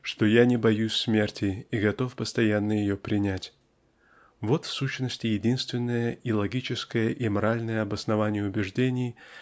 что я не боюсь смерти и готов постоянно ее принять. Вот в сущности единственное и логическое и моральное обоснование убеждений